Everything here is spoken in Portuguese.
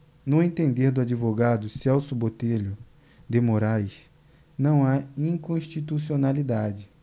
no entender do advogado celso botelho de moraes não há inconstitucionalidade